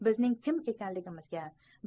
bizning kim ekanligimizga